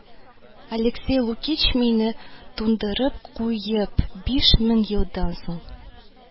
Алексей Лукич мине, туңдырып куеп, биш мең елдан соң